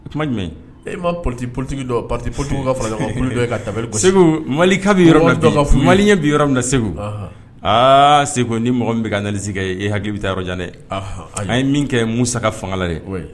O tuma jumɛn e m ma poli politigi dɔn poti pt ka faraoli ka tabiri segu malibi yɔrɔ mali ɲɛ bɛ yɔrɔ min na segu aa segu ni mɔgɔ min bɛ ka nalisi ka ye e hakiliki bɛ taa yɔrɔjan dɛ ye min kɛ musa fanga la dɛ